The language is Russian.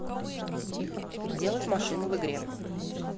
делать машины в игре